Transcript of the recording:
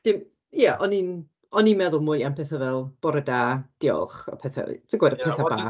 Dim... ia, o'n i'n o'n i'n meddwl mwy am petha fel "bore da" "diolch" a petha. Ti'n gwbod, y petha bach.